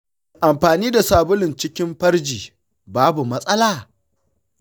shin amfani da sabulu cikin farji babu matsala?